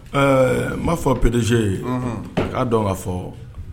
Ɛɛ n b'a fɔ P D G ye a k'a dɔn ka fɔ